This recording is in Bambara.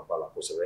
A b'a kosɛbɛ